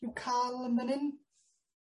I'w ca'l yn man 'yn?